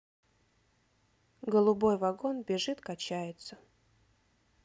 голубой вагон бежит качается